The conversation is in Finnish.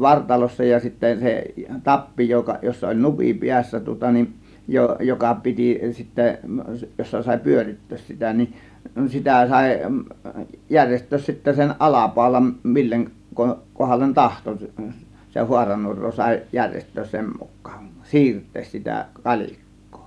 vartalossa ja sitten se tappi joka jossa oli nupin päässä tuota niin - joka piti sitten jossa sai pyörittää sitä niin sitä sai järjestää sitten sen alapaulan mille - kohdalle tahtoi --- haaranuoraa sai järjestää sen mukaan siirtää sitä kalikkaa